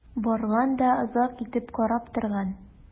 Барган да озак итеп карап торган.